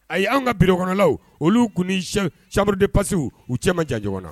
A y ye an ka biriklaw olu kun sari de pasi u cɛ ma jan ɲɔgɔn na